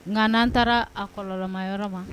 N nkaan taara a kɔlɔnma yɔrɔ ma